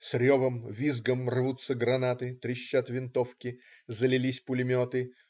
С ревом, визгом рвутся гранаты, трещат винтовки, залились пулеметы.